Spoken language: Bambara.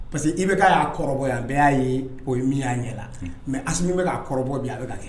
Pa parce que i bɛ ka'a kɔrɔ yan bɛɛ y'a ye o ye min y'a ɲɛ la mɛ a min bɛ' kɔrɔ bɔ bi a bɛ ka kɛ